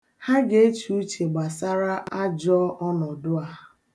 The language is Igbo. Ha ga-eche uche gbasara ajọọ ọnọdụ a.